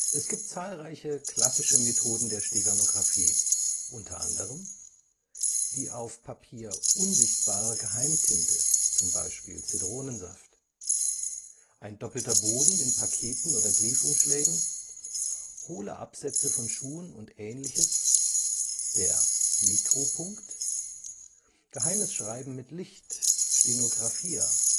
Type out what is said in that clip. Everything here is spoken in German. Es gibt zahlreiche klassische Methoden der Steganographie, u. a.: die auf Papier „ unsichtbare “Geheimtinte (beispielsweise Zitronensaft) ein doppelter Boden in Paketen oder Briefumschlägen hohle Absätze von Schuhen und ähnliches der Mikropunkt geheimes Schreiben mit Licht: Stenographia